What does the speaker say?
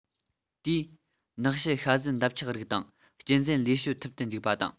དེས ནགས བྱི ཤ ཟན འདབ ཆགས རིགས དང གཅན གཟན ལས བྱོལ ཐུབ དུ འཇུག པ དང